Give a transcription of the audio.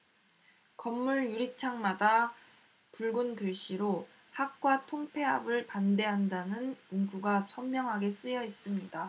건물 유리창마다 붉은 글씨로 학과 통폐합에 반대한다는 문구가 선명하게 쓰여있습니다